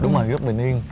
đúng rồi rất bình yên